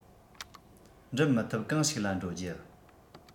འགྲུབ མི ཐུབ གང ཞིག ལ འགྲོ རྒྱུ